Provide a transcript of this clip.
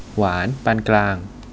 หวานปานกลาง